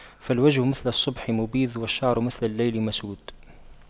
فالوجه مثل الصبح مبيض والشعر مثل الليل مسود